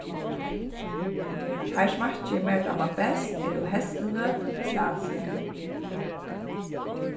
teir smakkir mær dámar best eru heslinøt og pistasia